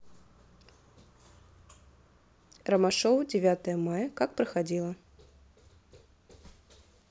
ромашова девятое мая как проходила